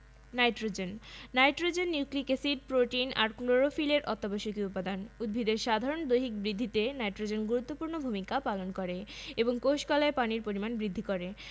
অত্যাবশ্যকীয় ১৬ টি উপাদানের মধ্যে উদ্ভিদ কোনো কোনো উপাদান বেশি পরিমাণে গ্রহণ করে আবার কোনো কোনো উপাদান সামান্য পরিমাণে গ্রহণ করে উদ্ভিদ কর্তৃক গৃহীত অত্যাবশ্যকীয় খনিজ পুষ্টির পরিমাণের উপর ভিত্তি করে এদেরকে দুইভাগে ভাগ করা হয়েছে